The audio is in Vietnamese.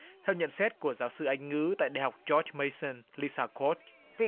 theo nhận xét của giáo sư anh ngữ tại đại học dóc mây sừn li sa cốt